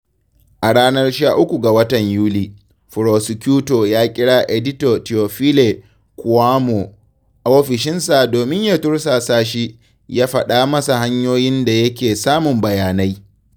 A ranar 13 ga watan Yuli, furosikyuto ya kira edita Théophile Kouamouo ofishinsa domin ya tursasa shi, ya faɗa masa hanyoyin da yake samun bayanai.